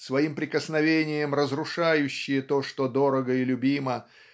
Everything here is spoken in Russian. своим прикосновением разрушающие то что дорого и любимо